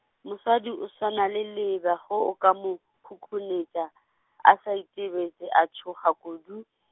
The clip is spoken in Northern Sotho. mosadi o swana le leeba ge o ka mo khukhunetša, a sa itebetše a tšhoga kudu.